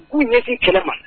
K'u ɲɛsin kɛlɛ ma